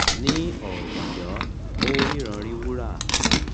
Ní ọ̀gànjọ́, ó ríran rí wúrà.